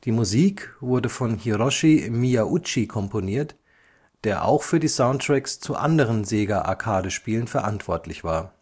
Musik wurde von Hiroshi Miyauchi komponiert, der auch für die Soundtracks zu anderen Sega-Arcade-Spielen verantwortlich war